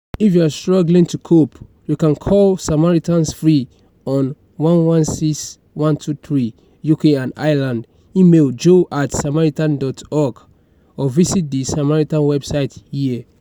If you are struggling to cope, you can call Samaritans free on 116 123 (UK and Ireland), email jo@samaritans.org, or visit the Samaritans website here.